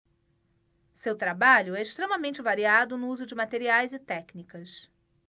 seu trabalho é extremamente variado no uso de materiais e técnicas